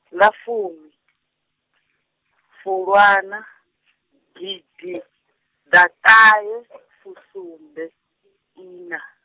ḽa fumi , Fulwana, gidiḓaṱahefusumbeiṋa.